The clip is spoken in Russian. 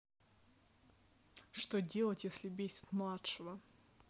что делать если бесит младшего